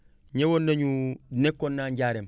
ñëwoon nañu nekkoon naa Ndiarème